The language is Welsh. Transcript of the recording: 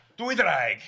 Dwy ddraig.